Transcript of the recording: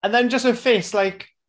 And then just her face like